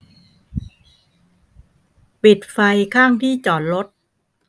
ปิดไฟข้างที่จอดรถ